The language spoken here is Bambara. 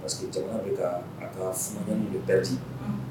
Parcesi caman bɛ ka a ka fanga minnu bɛɛti